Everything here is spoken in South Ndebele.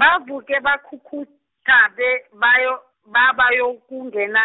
bavuke bakhukhuthe bebayo- bebayokungena,